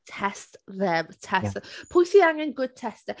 Test them, test the-. Pwy sy angen good test te-?